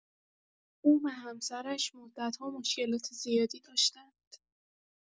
او و همسرش مدت‌ها مشکلات زیادی داشتند.